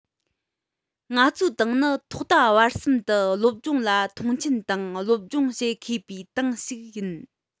ང ཚོའི ཏང ནི ཐོག མཐའ བར གསུམ དུ སློབ སྦྱོང ལ མཐོང ཆེན དང སློབ སྦྱོང བྱེད མཁས པའི ཏང ཞིག ཡིན